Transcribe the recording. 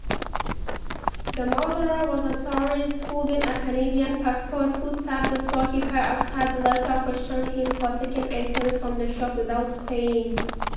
The murderer was a tourist holding a Canadian passport, who stabbed the storekeeper after the latter questioned him for taking items from the shop without paying.